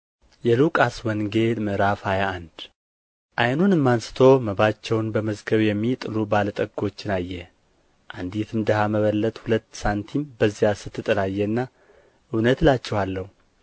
የሉቃስ ወንጌል ምዕራፍ ሃያ አንድ ዓይኑንም አንሥቶ መባቸውን በመዝገብ የሚጥሉ ባለ ጠጎችን አየ አንዲትም ድሀ መበለት ሁለት ሳንቲም በዚያ ስትጥል አየና እውነት እላችኋለሁ